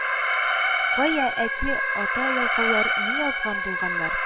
Кая, әки, ата ялкаулар ни язган булганнар